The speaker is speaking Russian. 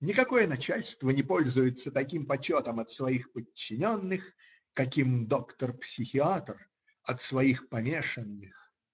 Никакое начальство не пользуется таким почетом от своих подчиненных, каким доктор-психиатр от своих помешанных.